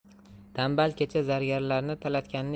tanbal kecha zargarlarni talatganini